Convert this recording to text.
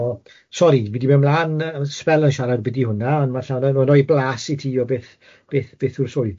O sori, fi di mynd mlan yy sbel yn siarad ambiti hwnna, ond ma'r llawr yn rhoi blas i ti o beth beth beth yw'r swydd.